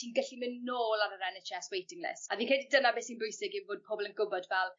ti'n gallu mynd nôl ar yr En Aitch Ess waiting list a fi'n credu dyna be sy'n bwysig yw bod pobol yn gwbod fel